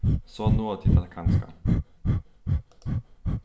so náa tit tað kanska